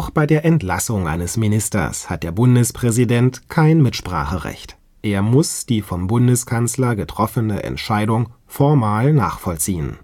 bei der Entlassung eines Ministers hat der Bundespräsident kein Mitspracherecht. Er muss die vom Bundeskanzler getroffene Entscheidung formal nachvollziehen